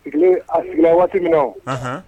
Sigilen, a sigi la waati min na